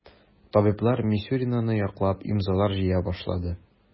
Табиблар Мисюринаны яклап имзалар җыя башлады.